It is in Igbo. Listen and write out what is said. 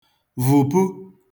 vụpu